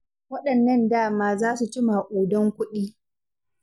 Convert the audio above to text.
Waɗannan dama za su ci maƙudan kuɗi.